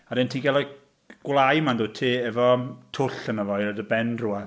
A wedyn ti'n cael y gwelyau 'ma, yn dwyt ti, efo m- twll ynddo fo i roi dy ben drwadd.